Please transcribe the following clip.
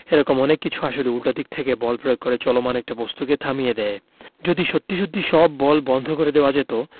এ রকম অনেক কিছু আসলে উল্টো দিক থেকে বল প্রয়োগ করে চলমান একটা বস্তুকে থামিয়ে দেয় যদি সত্যি সত্যি সব বল বন্ধ করে দেওয়া যেত